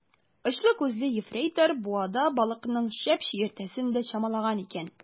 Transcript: Очлы күзле ефрейтор буада балыкның шәп чиертәсен дә чамалаган икән.